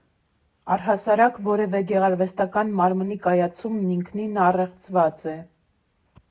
Առհասարակ, որևէ գեղարվեստական մարմնի կայացումն ինքնին առեղծված է։